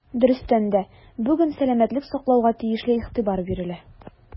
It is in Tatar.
Дөрестән дә, бүген сәламәтлек саклауга тиешле игътибар бирелә.